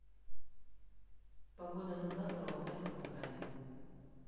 погода на завтра в алтайском крае